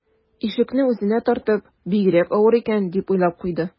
Ишекне үзенә тартып: «Бигрәк авыр икән...», - дип уйлап куйды